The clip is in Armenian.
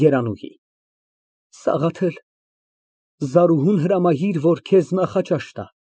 ԵՐԱՆՈՒՀԻ ֊Սաղաթել, Զարուհուն հրամայիր, որ քեզ նախաճաշ տա։